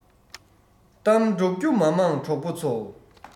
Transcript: གཏམ སྒྲོག རྒྱུ མ མང གྲོགས པོ ཚོ